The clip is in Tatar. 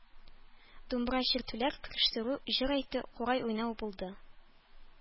Думбра чиртүләр, көрәштерү, җыр әйтү, курай уйнау булды.